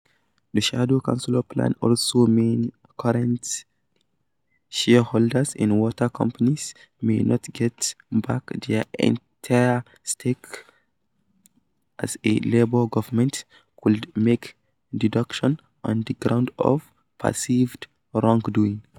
The shadow chancellor's plans also mean current shareholders in water companies may not get back their entire stake as a Labour government could make 'deductions' on the grounds of perceived wrongdoing.